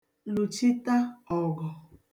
lụ̀chita ọ̀gụ̀